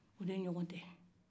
o de ɲɔ gɔtɛ